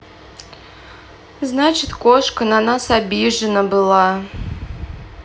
значит кошка на нас обижена была